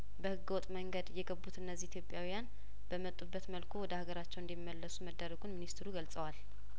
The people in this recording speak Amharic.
በህገወጥ መንገድ የገቡት እነዚህ ኢትዮጵያውያን በመጡበት መልኩ ወደ ሀገራቸው እንዲመለሱ መደረጉን ሚኒስትሩ ገልጸዋል